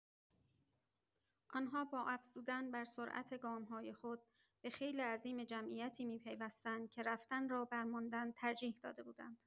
آن‌ها با افزودن بر سرعت گام‌های خود، به خیل عظیم جمعیتی می‌پیوستند که رفتن را بر ماندن ترجیح داده بودند.